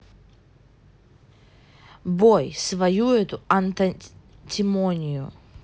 бой свою эту антимонию